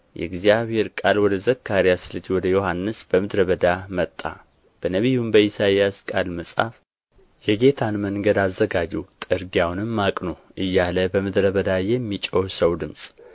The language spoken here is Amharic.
የእግዚአብሔር ቃል ወደ ዘካርያስ ልጅ ወደ ዮሐንስ በምድረ በዳ መጣ በነቢዩ በኢሳይያስ ቃል መጽሐፍ የጌታን መንገድ አዘጋጁ ጥርጊያውንም አቅኑ እያለ በምድረ በዳ የሚጮኽ ሰው ድምፅ